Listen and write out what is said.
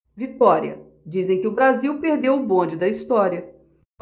vitória dizem que o brasil perdeu o bonde da história